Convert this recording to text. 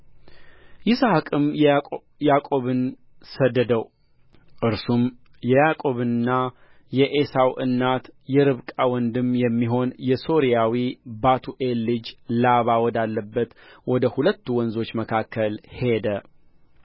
ይስሐቅም ያዕቆብን ሰደደው እርሱም የያዕቆብና የዔሳው እናት የርብቃ ወንድም የሚሆን የሶርያዊ ባቱኤል ልጅ ላባ ወዳለበት ወደ ሁለቱ ወንዞች መካከል ሄደ